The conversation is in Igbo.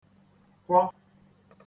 kwọ